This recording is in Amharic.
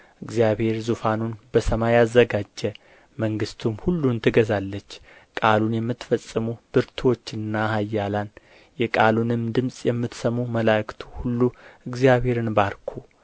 እግዚአብሔር ዙፋኑን በሰማይ አዘጋጀ መንግሥቱም ሁሉን ትገዛለች ቃሉን የምትፈጽሙ ብርቱዎችና ኃያላን የቃሉንም ድምፅ የምትሰሙ መላእክቱ ሁሉ እግዚአብሔርን ባርኩ